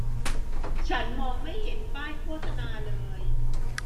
ฉันมองไม่เห็นป้ายโฆษณาเลย